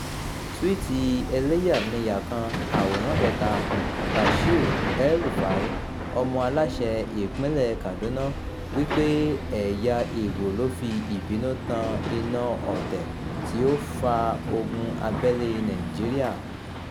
Túwíìtì ẹlẹ́yàmẹyà kan (Àwòrán 3) Bashir El-Rufai, ọmọ Aláṣẹ Ìpínlẹ̀ Kaduna, wí pé ẹ̀yà Igbo ló fi ìbínú tan iná ọ̀tẹ̀ tí ó fa Ogun Abẹ́lée Nàìjíríà.